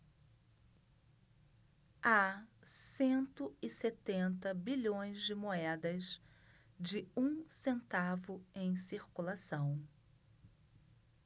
há cento e setenta bilhões de moedas de um centavo em circulação